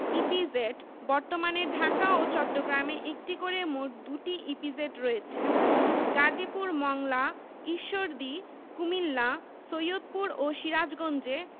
EPZ বর্তমানে ঢাকা ও চট্টগ্রামে একটি করে মোট ২টি ইপিজেড রয়েছে গাজীপুর মংলা ঈশ্বরদী কুমিল্লা সৈয়দপুর ও সিরাজগঞ্জে